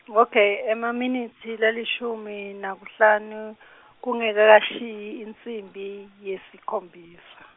ok, emaminitsi lalishumi nakuhlanu , kungakashiyi insimbi yesikhombisa.